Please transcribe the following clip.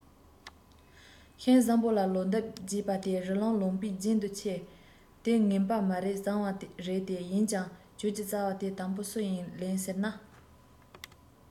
ཁོང སྤྲེའུ ལ ཡང དེ ལྟར ལབ དེ ནས རིམ བཞིན ཞུ ལུགས བྱེད དེ འདྲ ཟེར བ དང